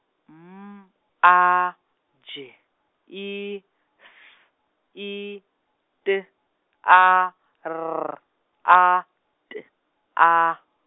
M A G I S I T A R A T A.